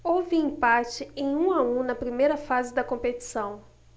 houve empate em um a um na primeira fase da competição